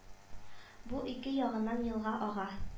Бу ике ягыннан елга ага